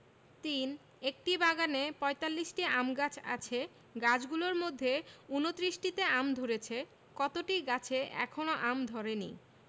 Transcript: ৩ একটি বাগানে ৪৫টি আম গাছ আছে গাছগুলোর মধ্যে ২৯টিতে আম ধরেছে কতটি গাছে এখনও আম ধরেনি